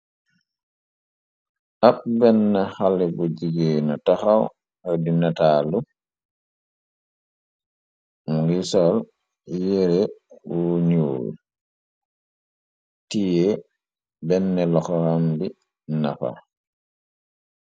Ab benn xale bu jigée na taxaw ak di nataalu ngi sool yere wu nuur tiyee benn loxoxam bi nafa.